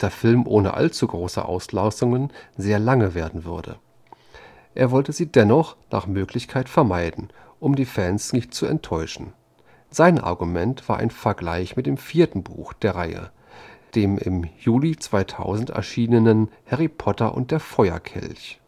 Film ohne allzu große Auslassungen sehr lange werden würde. Er wollte sie dennoch nach Möglichkeit vermeiden, um die Fans nicht zu enttäuschen. Sein Argument war ein Vergleich mit dem vierten Buch der Reihe, dem im Juli 2000 erschienenen Harry Potter und der Feuerkelch